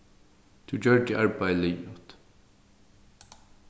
tú gjørdi arbeiðið liðugt